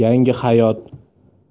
yangi hayot